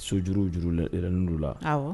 So juruw juru n la